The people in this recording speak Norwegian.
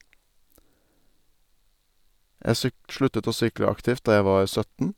Jeg syk sluttet å sykle aktivt da jeg var sytten.